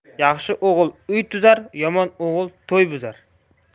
yaxshi o'g'il uy tuzar yomon o'g'il to'y buzar